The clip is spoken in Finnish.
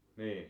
niin